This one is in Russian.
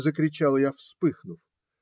- закричала я, вспыхнув.